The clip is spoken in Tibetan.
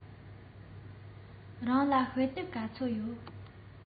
རང ལ དཔེ དེབ ག ཚོད ཡོད